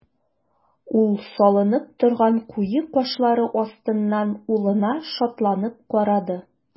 Ул салынып торган куе кашлары астыннан улына шатланып карады.